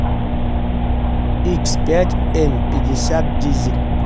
икс пять м пятьдесят дизель